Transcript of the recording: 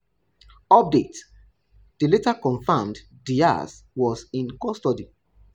[Update: they later confirmed Diaz was in custody]